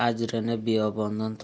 ajrini biyobondan topasan